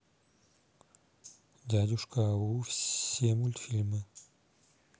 дядюшка ау все мультфильмы